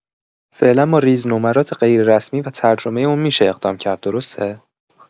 فعلا باریز نمرات غیررسمی و ترجمه اون می‌شه اقدام کرد درسته؟